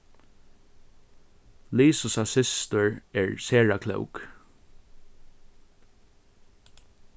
lisusa systir er sera klók